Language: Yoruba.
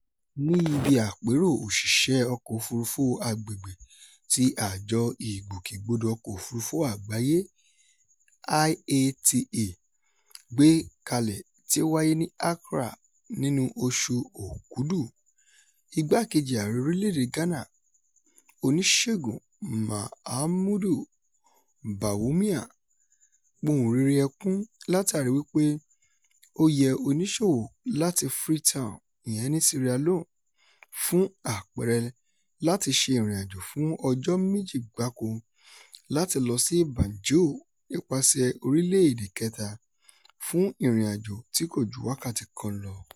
Ní ibi àpérò òṣìṣẹ́ ọkọ̀-òfuurufú agbègbè tí Àjọ Ìgbókègbódò Ọkọ̀-òfuurufú Àgbáyé (IATA) gbé kalẹ̀ tí ó wáyé ní Accra nínúu oṣù Òkúdù, Igbákejì Ààrẹ Orílẹ̀-èdèe Ghana, Oníṣègùn Mahamudu Bawumia pohùnréré-ẹkún látàríi wípé “ó yẹ oníṣòwò láti Freetown [Sierra Leone], fún àpẹẹrẹ, láti ṣe ìrìnàjò fún ọjọ́ méjì gbáko láti lọ sí Banjul (nípasẹ̀ẹ orílẹ̀-èdè kẹ́ta) fún ìrìnàjò tí kò ju wákàtí kan lọ.“